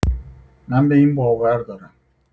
من به این باور دارم.